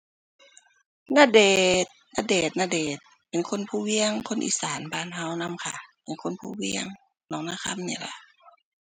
ณเดชน์ ณเดชน์ ณเดชน์เป็นคนภูเวียง คนอีสานบ้านเรานำค่ะ เป็นคนภูเวียง หนองนาคำนี่ล่ะ